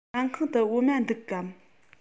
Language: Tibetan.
ཟ ཁང དུ འོ མ འདུག གམ